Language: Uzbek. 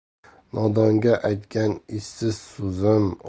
nodonga aytgan esiz so'zim